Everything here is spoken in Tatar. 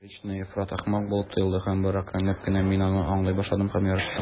Миңа Заречная ифрат ахмак булып тоелды һәм бары әкренләп кенә мин аны аңлый башладым һәм яраттым.